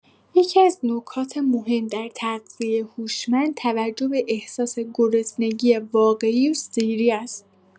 یکی‌از نکات مهم در تغذیه هوشمند توجه به احساس گرسنگی واقعی و سیری است.